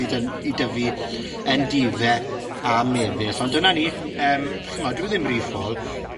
i dyn- i dyfu endife a mefus, ond dyna ni. Yym, 'dych ch'mod, dyw e ddim rhy ffôl.